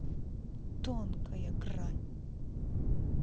тонкая грань